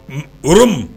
O